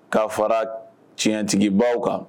Ka fara tiɲɛtigibaw kan